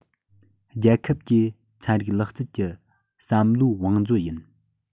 རྒྱལ ཁབ ཀྱི ཚན རིག ལག རྩལ གྱི བསམ བློའི བང མཛོད ཡིན